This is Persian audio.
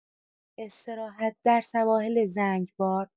استراحت در سواحل زنگبار